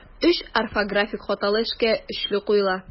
Өч орфографик хаталы эшкә өчле куела.